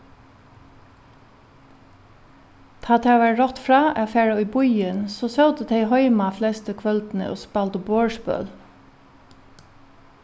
tá tað var rátt frá at fara í býin so sótu tey heima flestu kvøldini og spældu borðspøl